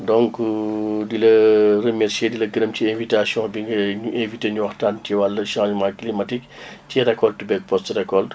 donc di la remercié di la gërëm ci invitation bi ngay ñu invité ñu waxtaan ci wàllu changement climatique ci récolte beeg post récolte